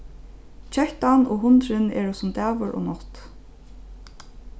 kettan og hundurin eru sum dagur og nátt